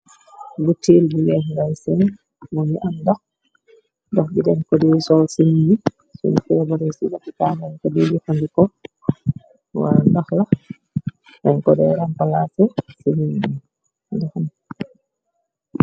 Butel bu weex ngaay seen bu am ndox. Ndox bi dañ ko dee sol si nit ñi suñ feebare, si loopitaan lañ ko jëfëndeko, wa ndox la, dañ ko de rampalaase si nit